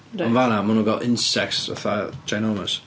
ond fan'na maen nhw'n gael insects fatha ginormous.